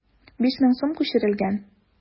5000 сум күчерелгән.